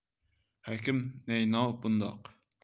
hakim naynov bundoq